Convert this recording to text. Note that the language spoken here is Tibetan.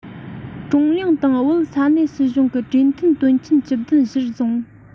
ཀྲུང དབྱང དང བོད ས གནས སྲིད གཞུང གི གྲོས མཐུན དོན ཚན བཅུ བདུན གཞིར བཟུང